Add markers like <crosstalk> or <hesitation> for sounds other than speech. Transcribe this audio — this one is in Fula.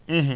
<hesitation> <hesitation>